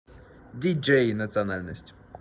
dj национальность